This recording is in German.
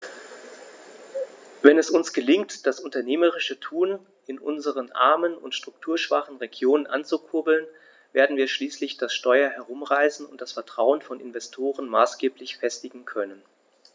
Wenn es uns gelingt, das unternehmerische Tun in unseren armen und strukturschwachen Regionen anzukurbeln, werden wir schließlich das Steuer herumreißen und das Vertrauen von Investoren maßgeblich festigen können.